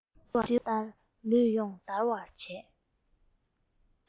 འགྲིལ བ ལྟར ལུས ཡོངས འདར བར བྱས